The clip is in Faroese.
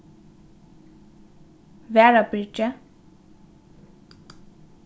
varðabyrgi